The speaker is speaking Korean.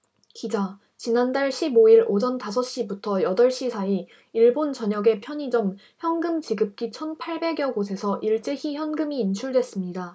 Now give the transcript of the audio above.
기자 지난달 십 오 일 오전 다섯 시부터 여덟 시 사이 일본 전역의 편의점 현금지급기 천 팔백 여 곳에서 일제히 현금이 인출됐습니다